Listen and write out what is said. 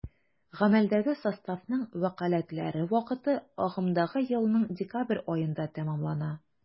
Гамәлдәге составның вәкаләтләре вакыты агымдагы елның декабрь аенда тәмамлана.